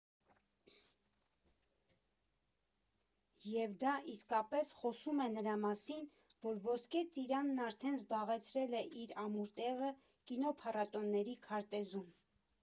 Եվ դա իսկապես խոսում է նրա մասին, որ Ոսկե ծիրանն արդեն զբաղեցրել է իր ամուր տեղը կինոփառատոների քարտեզում։